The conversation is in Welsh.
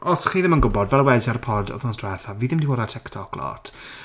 Os chi ddim yn gwybod fel wedais i ar y pod wythnos diwethaf fi ddim wedi bod ar TikTok lot.